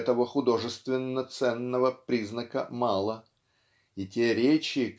этого художественно-ценного признака мало и те речи